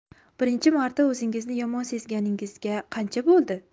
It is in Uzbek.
birinchi marta 'zingizni yomon sezganingizga qancha bo'ldi